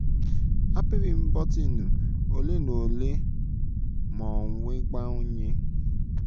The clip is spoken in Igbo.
Apịrịm bọtịnụ ole na ole ma o wee gbanye